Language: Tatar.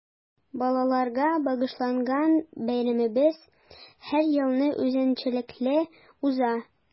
Балаларга багышланган бәйрәмебез һәр елны үзенчәлекле уза.